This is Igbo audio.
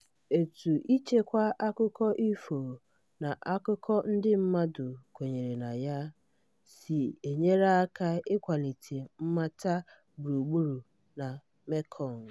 Etu ichekwa akụkọ ifo na akụkọ ndị mmadụ kwenyere na ya si enyere aka ịkwalite mmata gburugburu na Mekong